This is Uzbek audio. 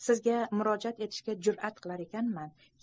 sizga murojaat etishga jur'at qilar ekanman